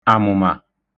àmụ̀mà